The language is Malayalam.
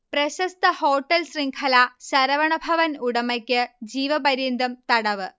പ്രശസ്ത ഹോട്ടൽ ശൃംഖല ശരവണഭവൻ ഉടമയ്ക്ക് ജീവപര്യന്തം തടവ്